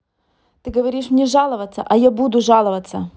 ты говоришь мне жаловаться а я буду жаловаться